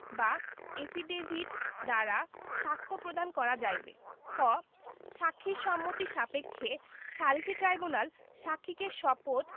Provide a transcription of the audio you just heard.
বা এফিডেভিট দ্বারা সাখ্য প্রদান করা যাইবে খ সাক্ষীর সম্মতি সাপেক্ষে সালিসী ট্রাইব্যুনাল সাক্ষীকে শপথ